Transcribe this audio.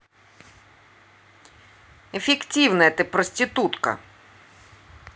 эффективная ты проститутка